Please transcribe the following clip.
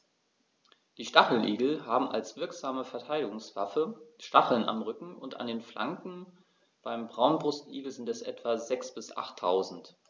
Die Stacheligel haben als wirksame Verteidigungswaffe Stacheln am Rücken und an den Flanken (beim Braunbrustigel sind es etwa sechs- bis achttausend).